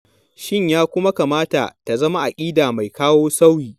Shin ya kuma kamata ta zama aƙida mai kawo sauyi?